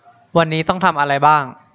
วันนี้ต้องทำอะไรบ้าง